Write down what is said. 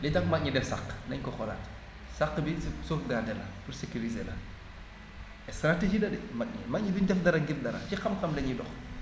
li tax mag ñi def sàq nañ ko xoolaat sàq bi sauvegarder la pour sécuriser la stratégie la de mag ñi mag ñi du ñu def dara ngir dara ci xam-xam la ñuy dox